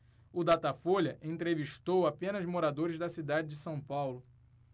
o datafolha entrevistou apenas moradores da cidade de são paulo